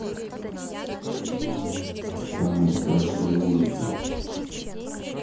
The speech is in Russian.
самые страшные ужасы